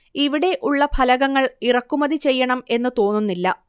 ഇവിടെ ഉള്ള ഫലകങ്ങൾ ഇറക്കുമതി ചെയ്യണം എന്നു തോന്നുന്നില്ല